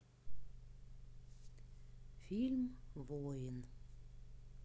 фильм воин